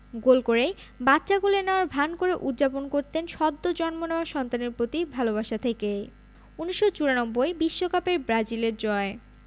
গোল করেই বাচ্চা কোলে নেওয়ার ভান করে উদ্ যাপন করতেন সদ্য জন্ম নেওয়া সন্তানের প্রতি ভালোবাসা থেকেই ১৯৯৪ বিশ্বকাপের ব্রাজিলের জয়